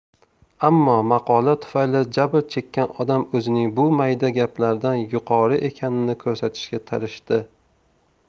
ammo maqola tufayli jabr chekkan odam o'zining bu mayda gaplardan yuqori ekanini ko'rsatishga tirishadi